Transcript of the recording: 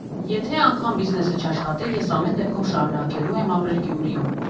Եթե անգամ բիզնեսը չաշխատի, ես ամեն դեպքում շարունակելու եմ ապրել Գյումրիում։